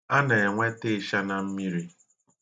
A na-enwete ịsha na mmiri.